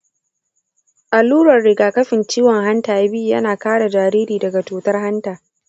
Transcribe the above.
allurar rigakafin ciwon hanta b yana kare jariri daga cutar hanta.